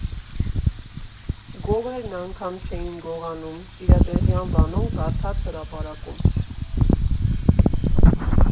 Գողերն անգամ չէին գողանում, Սիրադեղյան Վանոն կարդաց հրապարակում.